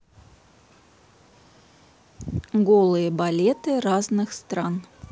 голые балеты разных стран